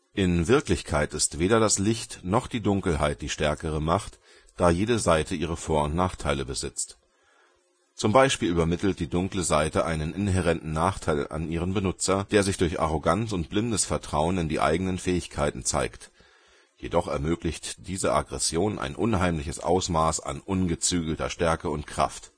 In Wirklichkeit ist weder das Licht noch die Dunkelheit die stärkere Macht, da jede Seite ihre Vor - und Nachteile besitzt. Zum Beispiel übermittelt die dunkle Seite einen inhärenten Nachteil an ihren Benutzer, der sich durch Arroganz und blindes Vertrauen in die eigenen Fähigkeiten zeigt. Jedoch ermöglicht diese Aggression ein unheimliches Ausmaß an ungezügelter Stärke und Kraft